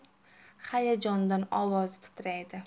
hayajondan ovozi titraydi